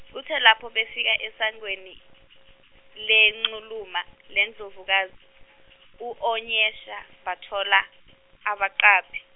kuthe lapho befika esangweni, lenxuluma lendlovukazi, u Onyesha bathola abaqaphi.